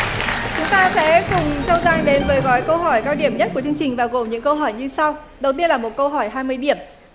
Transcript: chúng ta sẽ cùng châu giang đến với gói câu hỏi cao điểm nhất của chương trình và gồm những câu hỏi như sau đầu tiên là một câu hỏi hai mươi điểm